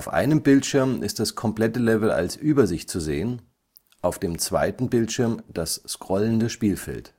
einem Bildschirm ist das komplette Level als Übersicht zu sehen, auf dem zweiten Bildschirm das scrollende Spielfeld